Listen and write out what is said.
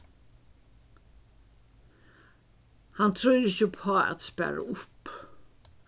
hann trýr ikki upp á at spara upp